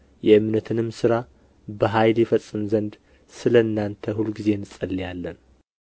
የእምነትንም ሥራ በኃይል ይፈጽም ዘንድ ስለ እናንተ ሁልጊዜ እንጸልያለን